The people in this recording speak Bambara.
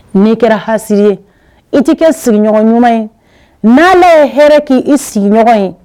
N'i kɛra ha ye i tɛ kɛ sigiɲɔgɔn ɲuman ye n'an bɛ ye hɛrɛ k' i sigiɲɔgɔn ye